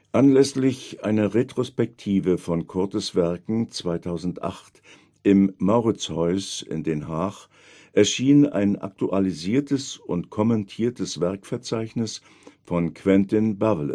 Anlässlich einer Retrospektive von Coortes Werken 2008 im Mauritshuis in Den Haag erschien ein aktualisiertes und kommentiertes Werkverzeichnis von Quentin Buvelot. Über